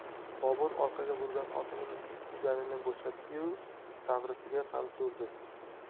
bobur orqaga burgan otining yuganini bo'shatdi yu sag'risiga qamchi urdi